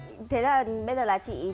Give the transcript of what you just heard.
thế là bây giờ là chị